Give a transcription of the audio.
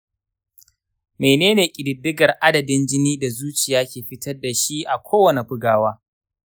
menene ƙididdigar adadin jini da zuciya ke fitar da shi a kowane bugawa.